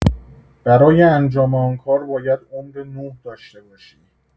برای انجام آن کار باید عمر نوح داشته باشی.